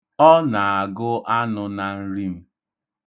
Ọ na-agụ anụ na nri m.